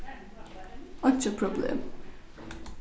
einki problem